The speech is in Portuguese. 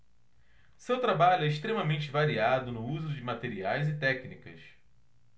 seu trabalho é extremamente variado no uso de materiais e técnicas